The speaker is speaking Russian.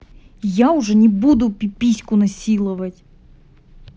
я уже не буду пипиську насиловать